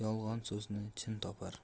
yolg'on so'zni chin topar